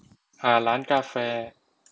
หาร้านกาแฟ